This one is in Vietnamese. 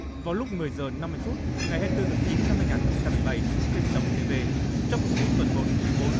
vào lúc mười giờ năm mươi phút ngày hai tư tháng chín năm hai ngàn không trăm mười bảy trên sóng nờ tê vê trong cuộc thi tuần một quý bốn